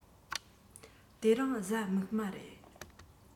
དེ རིང གཟའ མིག དམར རེད